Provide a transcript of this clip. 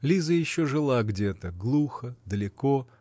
Лиза еще жила где-то, глухо, далеко